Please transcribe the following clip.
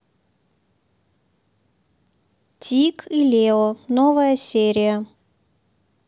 тиг и лео новая серия